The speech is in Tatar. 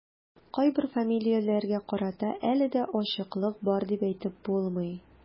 Кайбер фамилияләргә карата әле дә ачыклык бар дип әйтеп булмый.